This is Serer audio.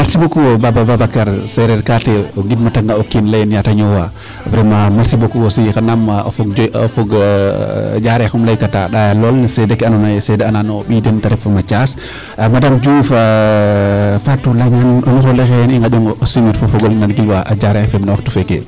merci beaucoup Babacar sereer kaate gidma tanga o kiin yaate ñoowa vraiment merci beaucoup aussi anaam o fog Diarere im ley kaa taa a ndaaya lool no seede ke ando naye seede aano o mbiy den te ref Mathiase madame Diouf Fatou ñuxrole xay xeene i ŋanjoŋ o siminir fo o fogole nan gilwaa Diarekh FM no waxtu feeke